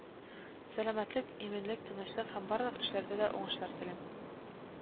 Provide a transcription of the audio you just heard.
Сәламәтлек, иминлек, тынычлык һәм барлык эшләрдә дә уңышлар телим